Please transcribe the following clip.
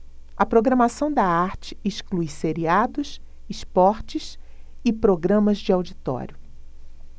a programação da arte exclui seriados esportes e programas de auditório